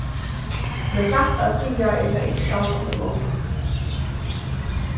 men satt at siga er tað ikki galdandi longur